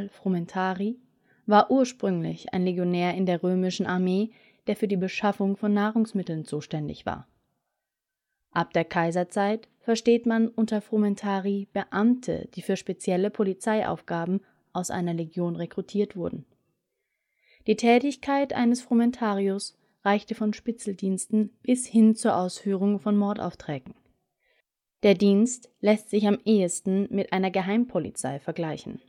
frumentarii) war ursprünglich ein Legionär in der römischen Armee, der für die Beschaffung von Nahrungsmitteln zuständig war. Ab der Kaiserzeit versteht man unter frumentarii Beamte, die für spezielle Polizeiaufgaben aus einer Legion rekrutiert wurden. Die Tätigkeit eines frumentarius reichte von Spitzeldiensten bis hin zur Ausführung von Mordaufträgen. Der Dienst lässt sich am ehesten mit einer Geheimpolizei vergleichen